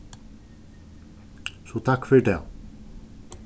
so takk fyri tað